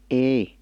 ei